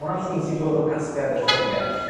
ma' wnnan llun sy'n dod o casgliad y llyfyrgell.